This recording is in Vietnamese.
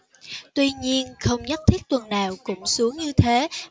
tuy nhiên không nhất thiết tuần nào cũng xuống như thế